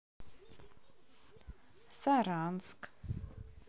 саранск